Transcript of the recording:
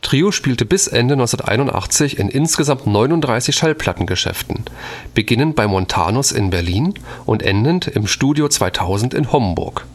Trio spielte bis Ende 1981 in insgesamt 39 Schallplattengeschäften, beginnend bei „ Montanus “in Berlin und endend im „ Studio 2000 “in Homburg